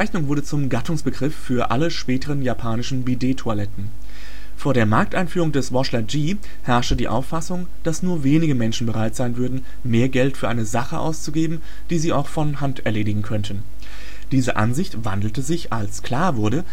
wurde zum Gattungsbegriff für alle späteren japanischen Bidettoiletten. Vor der Markteinführung des Washlet G herrschte die Auffassung, dass nur wenige Menschen bereit sein würden, mehr Geld für eine Sache auszugeben, die sie auch von Hand erledigen könnten. Diese Ansicht wandelte sich, als klar wurde